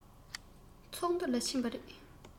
ཚོགས འདུལ ལ ཕྱིན པ རེད